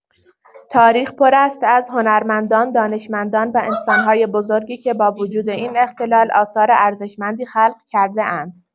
تاریخ پر است از هنرمندان، دانشمندان و انسان‌های بزرگی که با وجود این اختلال، آثار ارزشمندی خلق کرده‌اند.